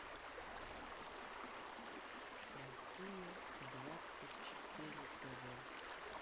россия двадцать четыре тв